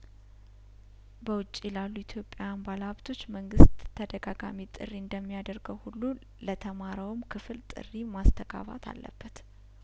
በውጪ ላሉ ኢትዮጵያዊያን ባለሀብቶች መንግስት ተደጋጋሚ ጥሪ እንደሚያደርገው ሁሉ ለተማረውም ክፍል ጥሪ ማስተጋባት አለበት